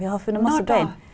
vi har funnet masse bein.